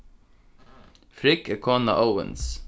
frigg er kona óðins